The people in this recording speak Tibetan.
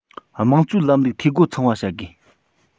དམངས གཙོའི ལམ ལུགས འཐུས སྒོ ཚང བ བྱ དགོས